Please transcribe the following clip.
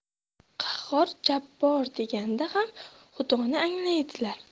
qahhor jabbor deganda ham xudoni anglaydilar